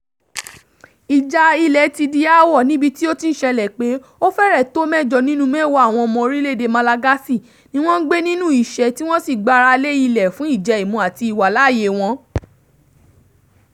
Ìjà ilẹ̀ ti di aáwọ̀ níbi tí ó ti ń ṣẹlẹ̀ pé ó fẹ́rẹ̀ tó mẹ́jọ nínú mẹ́wàá àwọn ọmọ orílẹ̀ èdè Malagasy ni wọ́n ń gbé nínú ìṣẹ́ tí wọ́n sì gbáralé ilẹ̀ fun ìjẹ-ìmu àti ìwàláàyè wọn.